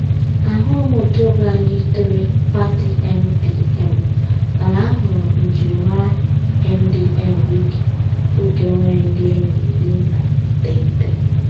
Ahụghị m òtù ọbụla yitere paati MDM, mana ahụrụ m njirimara MDMWIKI bụ nke nwere ndị enyi iri na iteghete (19).